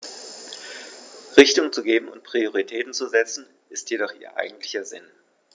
Richtung zu geben und Prioritäten zu setzen, ist jedoch ihr eigentlicher Sinn.